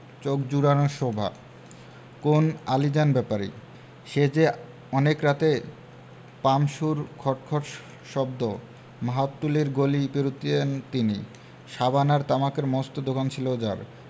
চোখ জুড়ানো শোভা কোন আলীজান ব্যাপারী সেই যে অনেক রাতে পাম্পসুর খট খট শব্দ মাহুতটুলির গলি পেরুতেন তিনি সাবান আর তামাকের মস্ত দোকান ছিল যার